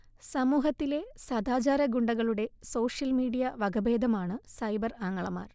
സമൂഹത്തിലെ സദാചാരഗുണ്ടകളുടെ social media വകഭേദമാണു സൈബർ ആങ്ങളമാർ